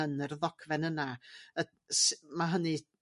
yn yr ddogfen yna y- s- ma' hynny